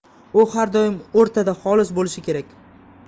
u har doim o'rtada xolis bo'lishi kerak